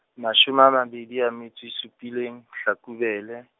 mashome a mabedi a metso e supileng, Hlakubele.